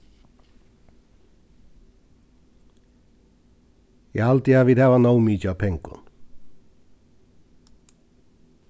eg haldi at vit hava nóg mikið av pengum